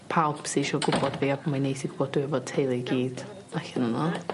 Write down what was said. pawb sy isio gwbod fi a mae'n neis i gwbod dwi efo teulu i gyd allan yno.